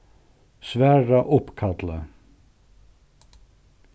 svara uppkalli